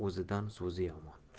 o'zidan so'zi yomon